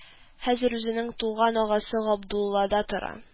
Хәзер үзенең туган агасы Габдуллада тора